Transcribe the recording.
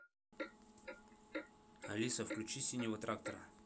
алиса включи синего трактора